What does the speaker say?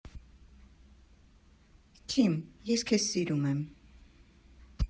Քիմ, ես քեզ սիրում եմ։